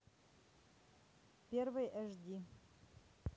первый эш ди